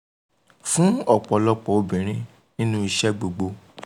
Fún ọ̀pọ̀lọpọ̀ obìnrin nínú iṣẹ́ gbogbo.